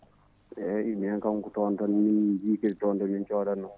eyyi minen kam ko toon min min min keewi codde min coodanno